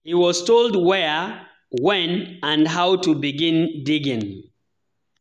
He was told where, when, and how to begin digging.